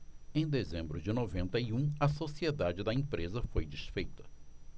em dezembro de noventa e um a sociedade da empresa foi desfeita